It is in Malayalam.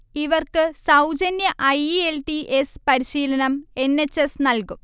ഇവർക്ക് സൗജന്യ I. E. L. T. S പരിശീലനം എൻ. എച്ച്. എസ് നൽകും